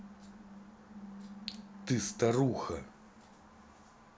ты старуха